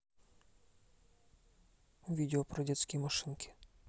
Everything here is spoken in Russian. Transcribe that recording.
видео про детские машинки